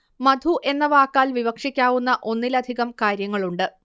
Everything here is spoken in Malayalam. മധു എന്ന വാക്കാൽ വിവക്ഷിക്കാവുന്ന ഒന്നിലധികം കാര്യങ്ങളുണ്ട്